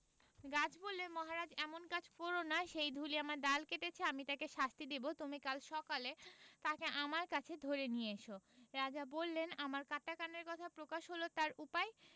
গাছ বললে মহারাজ এমন কাজ কর না সেই চুলি আমার ডাল কেটেছে আমি তাকে শাস্তি দেব তুমি কাল সকালে তাকে আমার কাছে ধরে নিয়ে এস রাজা বললেন আমার কাটা কানের কথা প্রকাশ হল তার উপায়